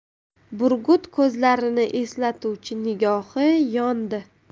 burgut ko'zlarini eslatuvchi nigohi yondi